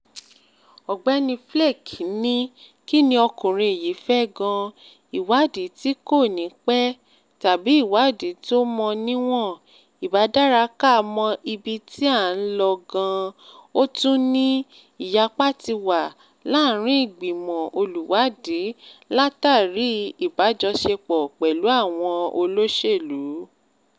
Ọ̀gbẹ́ni Flake ní, “Kí ni ọkùnri yìí fẹ́ gan-an – ìwádìí tí kò ní pẹ́, tàbí iwádìí tó mọ níwọ̀n? Ìbá dára ka mọ ibi tí à ń lọ gan-an. Ó tún ní “ìyapa” ti wà láárin ìgbìmọ̀ olùwádìí látàrí ìbájọṣepọ̀ pẹ̀ú àwọn olóṣèlú.